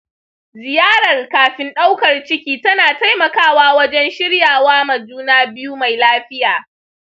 ziyarar kafin daukar ciki tana taimakawa wajen shiryawa ma juna biyu mai lafiya.